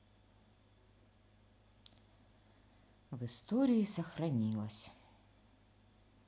в истории сохранилось